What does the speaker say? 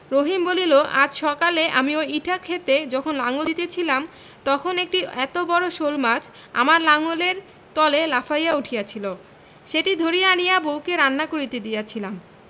রহিম বলিল আজ সকালে আমি ঐ ইটা ক্ষেতে যখন লাঙল দিতেছিলাম তখন একটি এত বড় শোলমাছ আমার লাঙলের তলে লাফাইয়া উঠিয়াছিল সেটি ধরিয়া আনিয়া বউকে রান্না করিতে দিয়াছিলাম